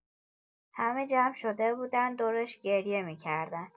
همه جمع شده بودن دورش و گریه می‌کردن.